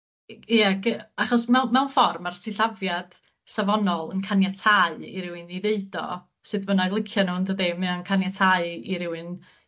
i- ia ge- achos mew- mewn ffor ma'r sillafiad safonol yn caniatáu i rywun i ddeud o sut bynnag licio nw yndydi mae o'n caniatáu i rywun